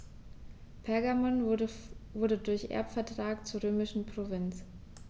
Pergamon wurde durch Erbvertrag zur römischen Provinz.